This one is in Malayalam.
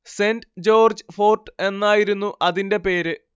സെന്റ് ജോര്‍ജ്ജ് ഫോര്‍ട്ട് എന്നായിരുന്നു അതിന്റെ പേര്